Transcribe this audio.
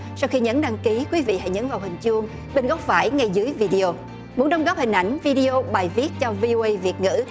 sau khi nhấn đăng ký quý vị hãy nhấn vào hình chuông bên góc phải ngay dưới vi đê ô muốn đóng góp hình ảnh vi đê ô hay bài viết cho vê o ây việt ngữ